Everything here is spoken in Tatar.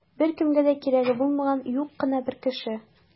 Беркемгә дә кирәге булмаган юк кына бер кеше.